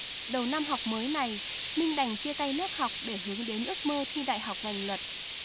đầu năm học mới này minh đành chia tay lớp học để hướng đến ước mơ thi đại học ngành luật